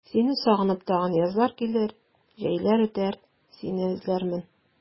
Сине сагынып тагын язлар килер, җәйләр үтәр, сине эзләрмен.